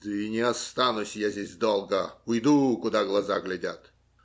Да не останусь я здесь долго; уйду, куда глаза глядят.